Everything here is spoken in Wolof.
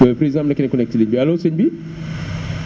président am na keneen ku nekk ci ligne bi allo sën bi